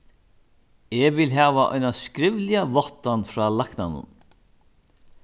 eg vil hava eina skrivliga váttan frá læknanum